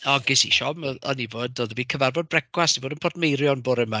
O ges i siom, oedd... o'n i fod... oedd 'da fi cyfarfod brecwast i fod yn Portmeirion bore ma.